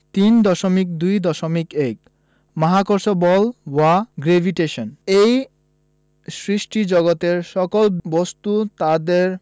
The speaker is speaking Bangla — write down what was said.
৩.২.১ মহাকর্ষ বল বা গ্রেভিটেশন এই সৃষ্টিজগতের সকল বস্তু তাদের